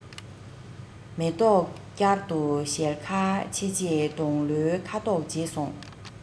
མེ ཏོག བསྐྱར དུ ཞལ ཁ ཕྱེ རྗེས སྡོང ལོའི ཁ དོག བརྗེས སོང